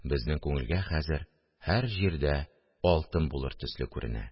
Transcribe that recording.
Безнең күңелгә хәзер һәр җирдә алтын булыр төсле күренә